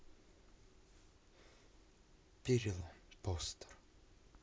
перелом постер